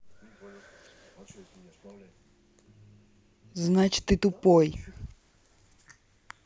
значит ты тупой